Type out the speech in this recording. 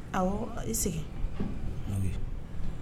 I segin ye